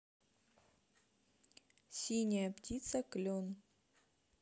синяя птица клен